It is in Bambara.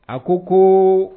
A ko ko